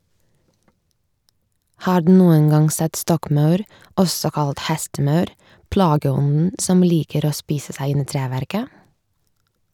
Har du noen gang sett stokkmaur, også kalt hestemaur, plageånden som liker å spise seg inn i treverket?